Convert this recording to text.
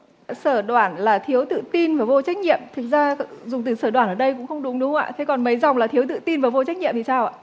sở đoản là thiếu tự tin và vô trách nhiệm thực ra dùng từ sở đoản ở đây cũng không đúng đúng không ạ chứ còn mấy dòng là thiếu tự tin và vô trách nhiệm thì sao ạ